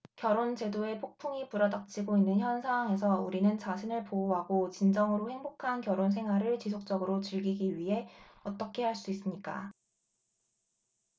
결혼 제도에 폭풍이 불어 닥치고 있는 현 상황에서 우리는 자신을 보호하고 진정으로 행복한 결혼 생활을 지속적으로 즐기기 위해 어떻게 할 수 있습니까